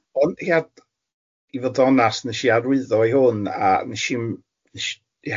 Ond ia, i fod yn onast nes i arwyddo i hwn a nes i'm nes i ia.